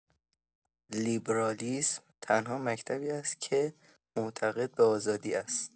لیبرالیسم تنها مکتبی است که معتقد به آزادی است.